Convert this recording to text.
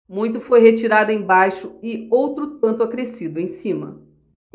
muito foi retirado embaixo e outro tanto acrescido em cima